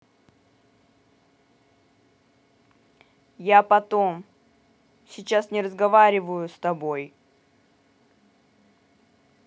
я потом сейчас не разговариваю с тобой